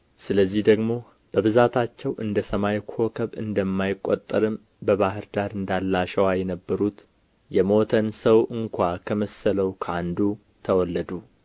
ስለዚህ ደግሞ በብዛታቸው እንደ ሰማይ ኮከብ እንደማይቈጠርም በባሕር ዳር እንዳለ አሸዋ የነበሩት የሞተን ሰው እንኳ ከመሰለው ከአንዱ ተወለዱ